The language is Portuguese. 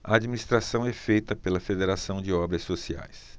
a administração é feita pela fos federação de obras sociais